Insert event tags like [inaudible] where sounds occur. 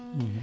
[hesitation] [hesitation]